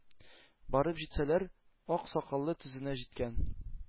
Барып җитсәләр, ак сакалы тезенә җиткән,